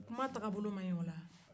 kuma tagabolo man ɲi o la wa